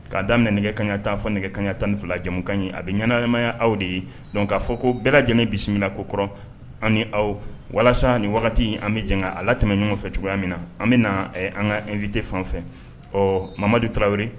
K'a daminɛ nɛgɛ kaɲaya tafa nɛgɛ kaɲa tan ni fila jamumukan ɲi a bɛ ɲanamaya aw de ye dɔn k'a fɔ ko bɛɛ lajɛlen bisimila bisimilamina ko kɔrɔ ani aw walasa ni wagati an bɛ jan ala tun bɛ ɲɔgɔn fɛ cogoya min na an bɛna an ka n vte fan fɛ ɔ mamadu tarawelewu